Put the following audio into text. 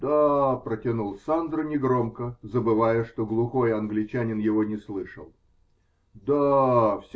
-- Да-а, -- протянул Сандро негромко, забывая, что глухой англичанин его не слышал. -- Да-а.